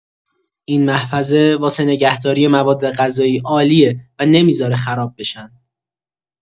این محفظه واسه نگهداری موادغذایی عالیه و نمی‌ذاره خراب بشن.